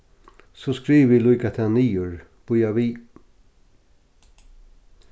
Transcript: so skrivi eg líka tað niður bíða við